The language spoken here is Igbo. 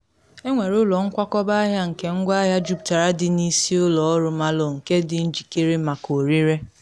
Enwere ụlọ nkwakọba ahịa nke ngwaahịa juputara dị na Isi Ụlọ Ọrụ Marlow nke dị njikere maka ọrịre.”